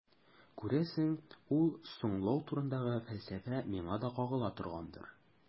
Күрәсең, ул «соңлау» турындагы фәлсәфә миңа да кагыла торгандыр.